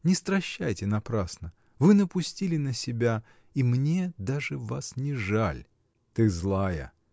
Не стращайте напрасно: вы напустили на себя, и мне даже вас не жаль! — Ты злая!